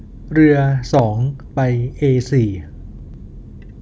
เรือสองไปเอสี่